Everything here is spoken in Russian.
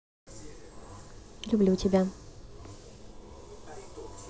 люблю тебя